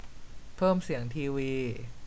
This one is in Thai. เพิ่มเสียงทีวี